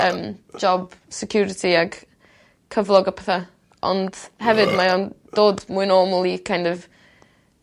ym job security ag cyflog a petha ont hefyd mae o'n dod mwy normal i kin' of